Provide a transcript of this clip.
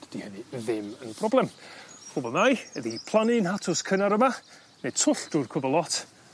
dydi hynny ddim yn problem. be' 'nai ydi plannu nhatws cynnar yma neu' twll drw'r cwbwl lot